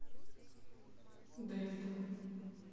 дельта